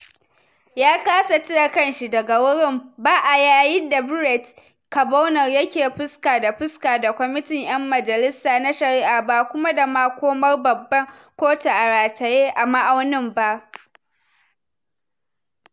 Ya kasa cire kanshi daga wurin, ba a yayi da Brett Kavanaugh yake fuska da fuska da Kwamitin ‘Yan Majalisa na shari’a ba kuma da makomar Babban Kotu a rataye a ma’auni ba.